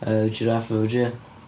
Yy jiráff efo j?